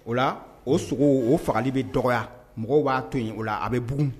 O la o sogo o fagali bɛ dɔgɔ mɔgɔw b'a to yen o la a bɛ bugu